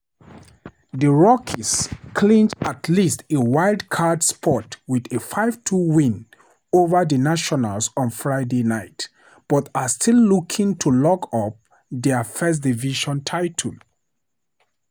The Rockies clinched at least a wild-card spot with a 5-2 win over the Nationals on Friday night, but are still looking to lock up their first division title.